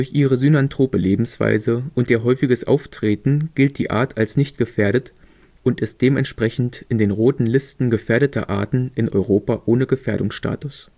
ihre synanthrope Lebensweise und ihr häufiges Auftreten gilt die Art als nicht gefährdet und ist dementsprechend in den Roten Listen gefährdeter Arten in Europa ohne Gefährdungsstatus